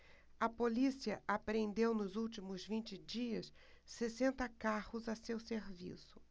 a polícia apreendeu nos últimos vinte dias sessenta carros a seu serviço